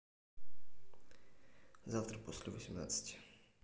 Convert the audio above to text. завтра после восемнадцати